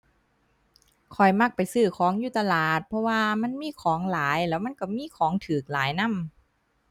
ข้อยมักไปซื้อของอยู่ตลาด เพราะว่ามันมีของหลาย แล้วมันก็มีของก็หลายนำ